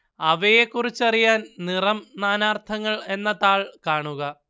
അവയെക്കുറിച്ചറിയാൻ നിറം നാനാർത്ഥങ്ങൾ എന്ന താൾ കാണുക